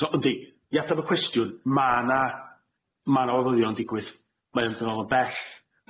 So yndi i ateb y cwestiwn ma' na ma' na oddyddion yn digwydd mae o'n mynd yn ôl yn bell.